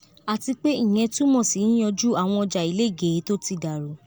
Àtipé ìyẹn túms sí yíyanjú àwọn ọjà ilégèé tó ti dárú.